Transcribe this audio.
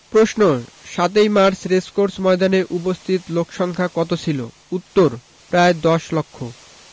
প্রশ্ন ৭ই March racecourse ময়দানে উপস্থিত লোকসংক্ষা কত ছিলো উত্তর প্রায় দশ লক্ষ